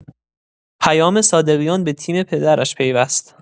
پیام صادقیان به تیم پدرش پیوست!